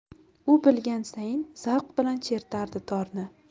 u bilgan sayin zavq bilan chertardi torni